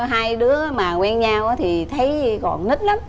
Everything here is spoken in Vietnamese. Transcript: hai đứa mà quen nhau thì thấy còn con nít lắm